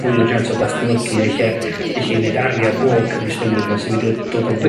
fwy o jians o datblygu a elle... Hmm. ...gellu neud arian o'r cynnwys newydd 'ma sy myn i dod dod yn fwy o